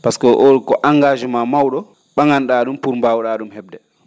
pasque oo ko engagement maw?o ?a?an-?aa ?um pour mbaaw-?aa ?um he?de